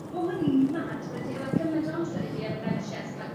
ma' hwn yn mad bod e 'di hala cyment o amser i fi ar y En Haitch Ess ca'l